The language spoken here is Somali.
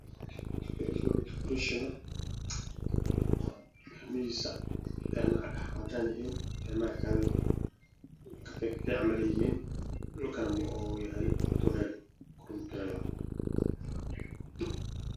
Waa qol waxaa ku xiran daah midabkiisa waa caddaan iyo qaxo iyo dahabi dhulka cadaan